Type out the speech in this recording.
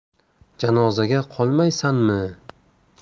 janozaga qolmaysanmi